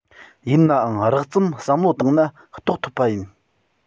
ཡིན ནའང རགས ཙམ བསམ བློ བཏང ན རྟོགས ཐུབ པ ཡིན